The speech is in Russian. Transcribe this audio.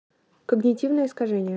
когнитивное искажение